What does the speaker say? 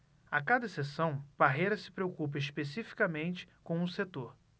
a cada sessão parreira se preocupa especificamente com um setor